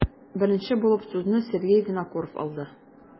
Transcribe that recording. Беренче булып сүзне Сергей Винокуров алды.